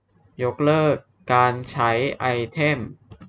ยกเลิกการใช้ไอเทม